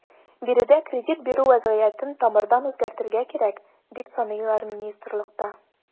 Биредә кредит бирү вәзгыятен тамырдан үзгәртергә кирәк, дип саныйлар министрлыкта.